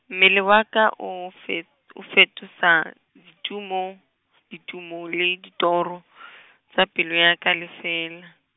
mmele wa ka o fe, o fetoša ditumo, ditumo le ditoro , tša pelo ya ka lefela.